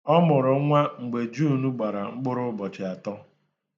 Ọ mụrụ nnwa mgbe Juun gbara mkpụrụ ụbọchi atọ.